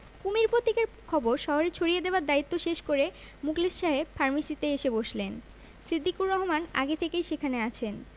কুমীর প্রতীকের খবর শহরে ছড়িয়ে দেবার দায়িত্ব শেষ করে মুখলেস সাহেব ফার্মেসীতে এসে বসলেন সিদ্দিকুর রহমনি আগে থেকেই সেখানে আছেন